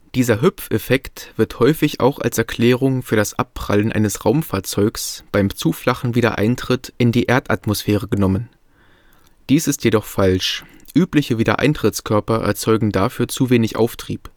Dieser Hüpf-Effekt wird häufig auch als Erklärung für das „ Abprallen “eines Raumfahrzeugs beim zu flachen Wiedereintritt in die Erdatmosphäre genommen. Dies ist jedoch falsch, übliche Wiedereintrittskörper erzeugen dafür zu wenig Auftrieb